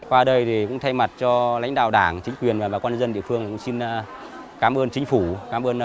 qua đây thì cũng thay mặt cho lãnh đạo đảng chính quyền và bà con dân địa phương xin cám ơn chính phủ cám ơn